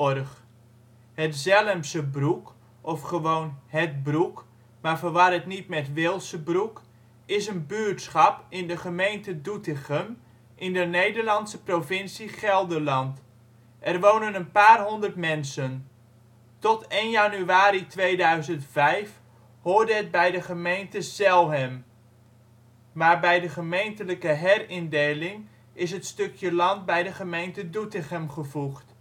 Het Zelhemse Broek (of gewoon Het Broek, maar verwar het niet met het Wehlse Broek) is een buurtschap in de gemeente Doetinchem in de Nederlandse provincie Gelderland. Er wonen een paar honderd mensen. Tot 1 januari 2005 hoorde het bij de gemeente Zelhem, maar bij de gemeentelijke herindeling is het stukje land bij de gemeente Doetinchem gevoegd